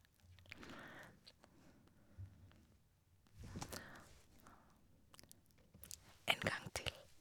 En gang til.